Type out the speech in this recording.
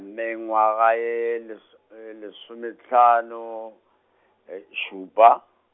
mengwaga e les-, e lesomehlano, e šupa.